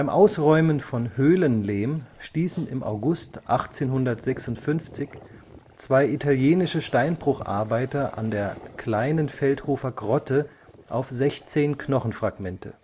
Ausräumen von Höhlenlehm stießen im August 1856 zwei italienische Steinbrucharbeiter an der Kleinen Feldhofer Grotte auf 16 Knochenfragmente